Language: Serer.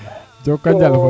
jookonjal